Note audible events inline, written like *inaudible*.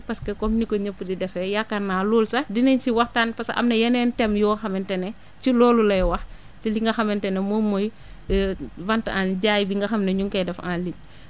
parce que comme ni ko ñëpp di defee yaakaar naa loolu sax dinañ si waxtaan parce que am na yeneen thèmes yoo xamante ne ci loolu lay wax ci li nga xamante ne moom mooy *hesitation* vente en ligne jaay bi nga xam ne ñu ngi koy fef en ligne